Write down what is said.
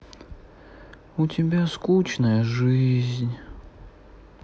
у тебя скучная жизнь